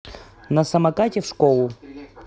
на самокате в школу